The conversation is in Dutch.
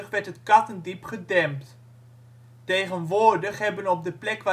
werd het Kattendiep gedempt. Tegenwoordig hebben op de plek